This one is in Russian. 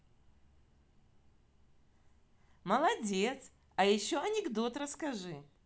молодец а еще анекдот расскажи